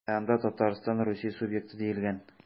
Ә анда Татарстан Русия субъекты диелгән.